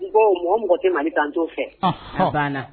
N ko mɔgɔ o mɔgɔ tɛ Mali fɛ, n t'o fɛɔhn,, a baana!